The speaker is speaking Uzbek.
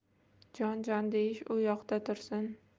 jon jon deyish u yoqda tursin